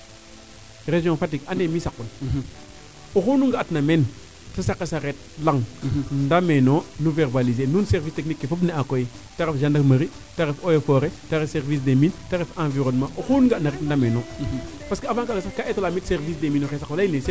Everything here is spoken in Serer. rerion Fatick ande mi sakun oxu nu nga'at na meen te saqa sareet laŋ ndameeno nu verbaliser in nuun service technique ke fop im ne'a koy te ref gendarmerie te ref eaux et foret te ref service des mines te ref environnement oxu nu nga'na ndameeno parce que avant kaaga sax kaa eeto lamit service des mines